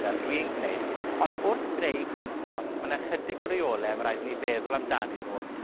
Fel dwi'n gwneud. Ond wrth greu compost, ma' 'na ychydig o reole ma' raid i ni feddwl amdanyn nw,